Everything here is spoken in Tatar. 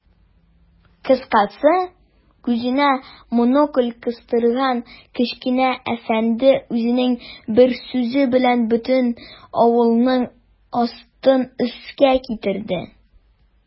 Кыскасы, күзенә монокль кыстырган кечкенә әфәнде үзенең бер сүзе белән бөтен авылның астын-өскә китерде.